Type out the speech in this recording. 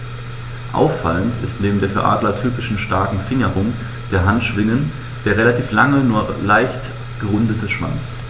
Auffallend ist neben der für Adler typischen starken Fingerung der Handschwingen der relativ lange, nur leicht gerundete Schwanz.